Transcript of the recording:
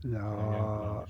jaa